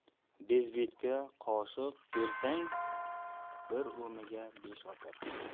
bezbetga qoshiq bersang bir o'miga besh oshar